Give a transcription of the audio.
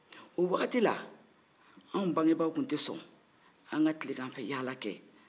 o wagati la anw bangebaaw tun tɛ sɔn an ka kileganfɛyaala kɛ